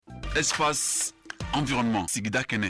Espfa an jɔma sigida kɛnɛ